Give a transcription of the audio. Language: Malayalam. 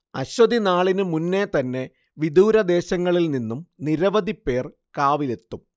അശ്വതിനാളിനു മുന്നേ തന്നെ വിദൂരദേശങ്ങളിൽ നിന്നും നിരവധി പേർ കാവിലെത്തും